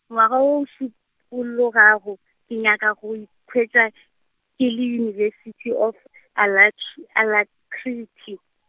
ngwaga wo o šup- -pologago, ke nyaka go ikhwetša, ke le University of alacri-, Alacrity.